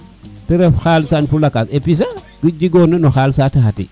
te ref xalis fa pulaka et puis sax ku jegona na xalisa ti xati